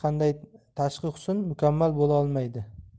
qanday tashqi husn mukammal bo'la olmaydi